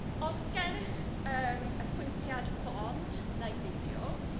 Os gennych yym apwyntiad ffon neu fideo.